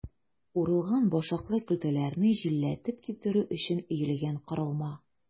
Урылган башаклы көлтәләрне җилләтеп киптерү өчен өелгән корылма.